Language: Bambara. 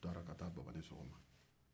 u taara ko baba ni sɔgɔma